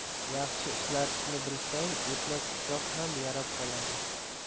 yaxshi ishlatishni bilsang o'tmas pichoq ham yarab qoladi